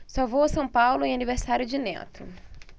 só vou a são paulo em aniversário de neto